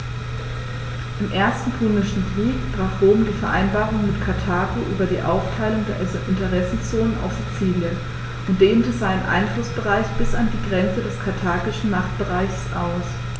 Im Ersten Punischen Krieg brach Rom die Vereinbarung mit Karthago über die Aufteilung der Interessenzonen auf Sizilien und dehnte seinen Einflussbereich bis an die Grenze des karthagischen Machtbereichs aus.